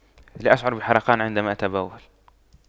لا أشعر بحرقان عندما اتبول